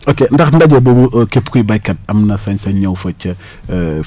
ok ndax ndaje boobu képp kuy béykat am na sañ-sañ ñëw fa ca